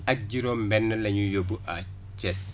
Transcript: ak juróom-benn la ñuy yóbbu à Thiès